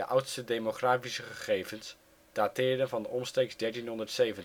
oudste demografische gegevens dateren van omstreeks 1370